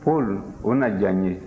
paul o na diya n ye